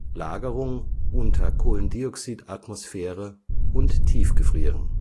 Lagerung unter Kohlendioxid-Atmosphäre und Tiefgefrieren